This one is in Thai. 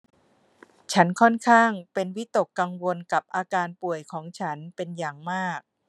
ฉันค่อนข้างเป็นวิตกกังวลกับอาการป่วยของฉันเป็นอย่างมาก